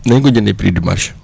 nañ ko jëndee prix du marché